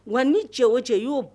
Wa ni cɛ o cɛ y'o